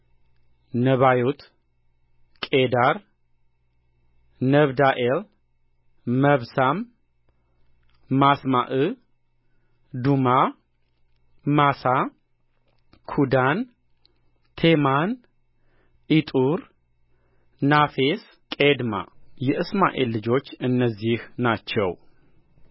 ነባዮት ቄዳር ነብዳኤል መብሳም ማስማዕ ዱማ ማሣ ኩዳን ቴማን ኢጡር ናፌስ ቄድማ የእስማኤል ልጆች እነዚህ ናቸው